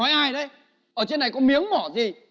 nói ai đấy ở trên này có cái miếng mỏ gì